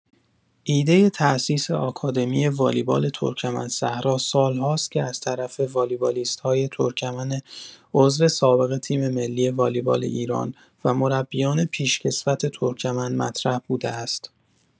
ایده تاسیس آکادمی والیبال ترکمن‌صحرا سالهاست که از طرف والیبالیست‌های ترکمن عضو سابق تیم‌ملی والیبال ایران و مربیان پیشکسوت ترکمن مطرح بوده است.